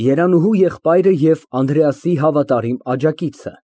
Երանուհու եղբայրը և Անդրեասի հավատարիմ աջակիցը։